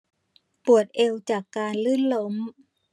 ปวดเอวจากการลื่นล้ม